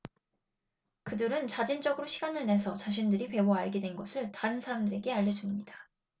그들은 자진적으로 시간을 내서 자신들이 배워 알게 된 것을 다른 사람들에게 알려 줍니다